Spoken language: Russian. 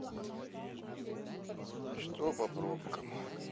что по пробкам